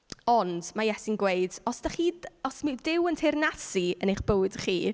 Ond ma' Iesu'n gweud, "os dach chi... os mae Duw yn teyrnasu yn eich bywyd chi..."